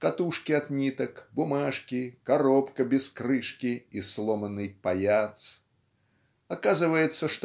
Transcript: катушки от ниток, бумажки, коробка без крышки и сломанный паяц. Оказывается